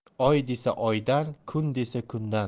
oy desa oyday kun desa kunday